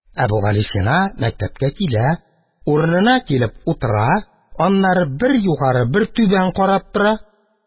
Әбүгалисина мәктәпкә килә, урынына килеп утыра, аннары бер югары, бер түбән карап тора.